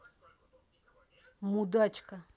мудачка